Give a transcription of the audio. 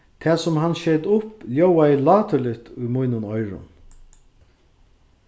tað sum hann skeyt upp ljóðaði láturligt í mínum oyrum